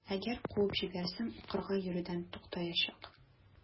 Әгәр куып җибәрсәм, укырга йөрүдән туктаячак.